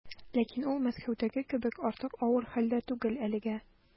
Ләкин ул Мәскәүдәге кебек артык авыр хәлдә түгел әлегә.